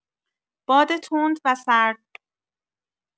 باد تند و سرد